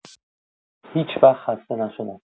هیچ‌وقت خسته نشدم.